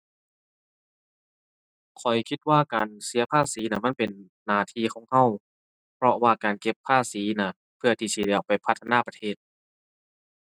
ข้อยคิดว่าการเสียภาษีน่ะ มันเป็นหน้าที่ของเรา เพราะว่าการเก็บภาษีน่ะ เพื่อที่สิได้เอาไปพัฒนาประเทศ